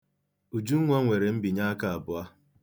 Ujunwa nwere mbinyeaka abụọ.